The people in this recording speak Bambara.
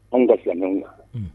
An ka commune na , unh,